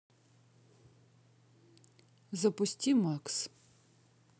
запусти макс